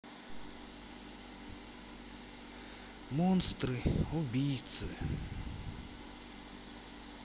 монстры убийцы